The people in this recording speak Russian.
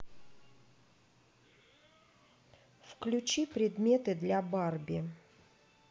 включи предметы для барби